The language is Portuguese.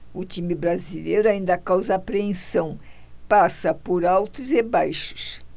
o time brasileiro ainda causa apreensão passa por altos e baixos